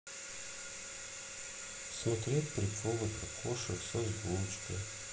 смотреть приколы про кошек с озвучкой